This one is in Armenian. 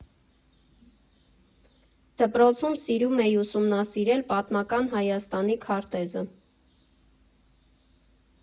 Դպրոցում սիրում էի ուսումնասիրել Պատմական Հայաստանի քարտեզը։